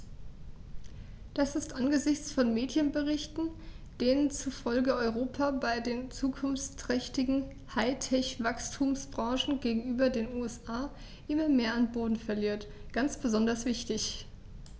Das ist angesichts von Medienberichten, denen zufolge Europa bei den zukunftsträchtigen High-Tech-Wachstumsbranchen gegenüber den USA immer mehr an Boden verliert, ganz besonders wichtig.